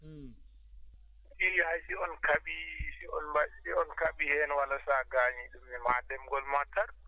hay si on kaɓii si on kaɓii heen walla so a gaañii ɗum maa demgol maa tarde u